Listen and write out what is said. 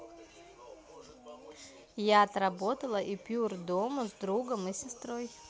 я отработала и pure дома с другом и сестрой